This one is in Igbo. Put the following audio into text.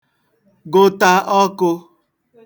gụta ọkụ̄